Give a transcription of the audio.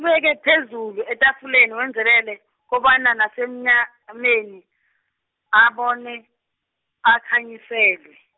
kubeke phezulu etafuleni wenzelele, kobana nasemnya- -ameni abone, akhanyiselwe.